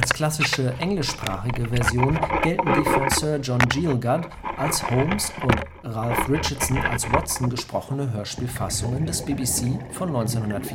klassische englischsprachige Version gelten die von Sir John Gielgud (Holmes) und Ralph Richardson (Watson) gesprochenen Hörspielfassungen des BBC von 1954